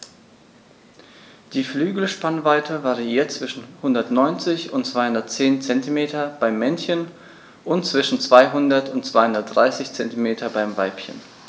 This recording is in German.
Die Flügelspannweite variiert zwischen 190 und 210 cm beim Männchen und zwischen 200 und 230 cm beim Weibchen.